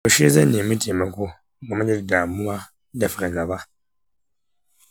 yaushe zan nemi taimako game da damuwa da fargaba?